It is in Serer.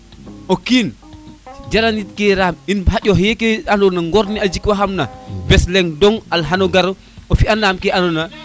o kiin jarent ki raam in xaƴa xeke ando na ŋor ne te jik wa xan ma bes leŋ dong al xano gar o fiya naa ke ando na